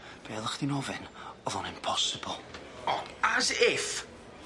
Be' oddach chdi'n ofyn o'dd o'n impossible. O as if!